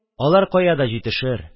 – алар кая да җитешер.